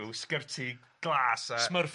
ryw sgerti glas a... Smurfs...